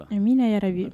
Amina, ya rabbi